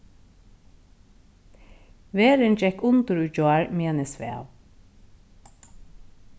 verðin gekk undir í gjár meðan eg svav